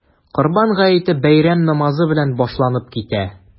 Корбан гаете бәйрәм намазы белән башланып китә.